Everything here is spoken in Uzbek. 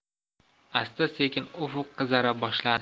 asta sekin ufq qizara boshladi